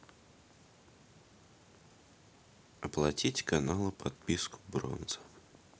оплатить канала подписку бронза